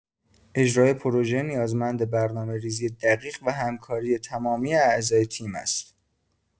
اجرا پروژه نیازمند برنامه‌ریزی دقیق و همکاری تمامی اعضای تیم است.